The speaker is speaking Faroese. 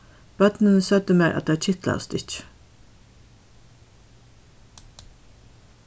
børnini søgdu mær at tey kitlaðust ikki